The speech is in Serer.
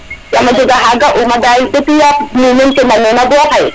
yaam a jega xa ga uma dal depuis ya mumeen ke ndamena bo xaye